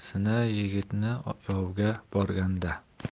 sina yigitni yovga borganda